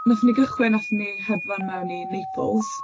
Wnaethon ni gychwyn, wnaethon ni hedfan mewn i Naples.